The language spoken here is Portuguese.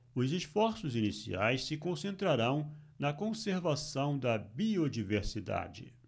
os esforços iniciais se concentrarão na conservação da biodiversidade